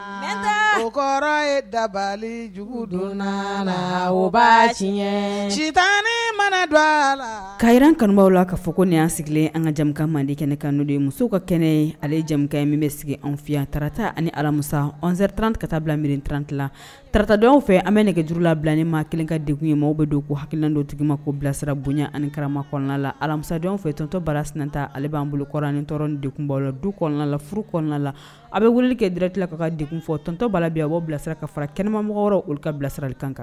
Nka kɔrɔ ye dabali jugu don la o tiɲɛɲɛ jita mana don a la ka jiraran kanubaww la k kaa fɔ ko nin an sigilen an kaja mande kɛnɛ kan n'o ye musow ka kɛnɛ ale yeja ka ye min bɛ sigi an fɛye tarata ni alamusa anzre tanranti ka taa bila mi tranti tata dɔw fɛ an bɛ nɛgɛge juruuru labila ni maa kelen ka deg ye maaw bɛ don ko ha don d ma ko bilasira bonya anikarama kɔnɔna la alamisadenw fɛ tɔntɔntɔ barasta ale b' anan bolok ni dɔrɔn deba la du kɔnɔna la furu kɔnɔna la a bɛ wuli kɛ dɛrɛ tila ka ka de fɔtɔnba a bɔ bilasira ka fara kɛnɛmamɔgɔkɔrɔ olu ka bilasirarali kan